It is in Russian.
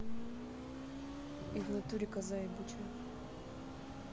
и в натуре коза ебучая